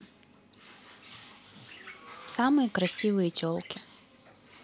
самые красивые телки